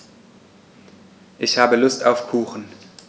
Ich habe Lust auf Kuchen.